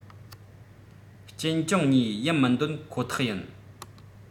གཅེན གཅུང གཉིས ཡིན མི འདོད ཁོ ཐག ཡིན